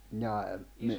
jaa -